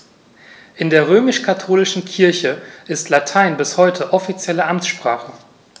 In der römisch-katholischen Kirche ist Latein bis heute offizielle Amtssprache.